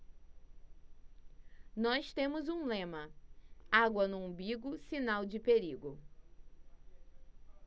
nós temos um lema água no umbigo sinal de perigo